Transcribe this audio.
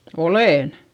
olen